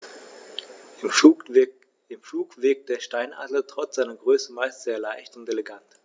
Im Flug wirkt der Steinadler trotz seiner Größe meist sehr leicht und elegant.